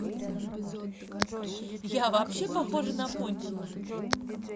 я вообще похоже на пончики